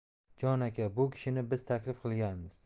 jon aka bu kishini biz taklif qilganmiz